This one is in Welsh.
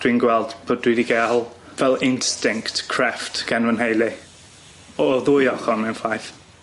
Dwi'n gweld bod dwi 'di ga'l fel instinct crefft gan fy nheulu o ddwy ochor mewn ffaith.